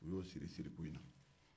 o y'o siri siriku in na